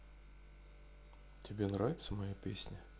тебе нравится моя песня